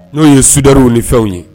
N'o ye sudariw ni fɛnw ye